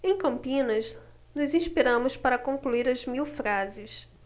em campinas nos inspiramos para concluir as mil frases